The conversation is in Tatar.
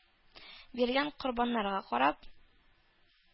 Биргән корбаннарга карап